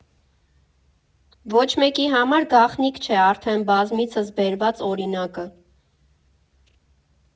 Ոչ մեկի համար գաղտնիք չէ արդեն բազմիցս բերված օրինակը.